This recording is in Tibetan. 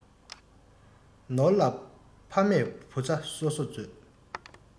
ནོར ལ ཕ མས བུ ཚ གསོ གསོ མཛོད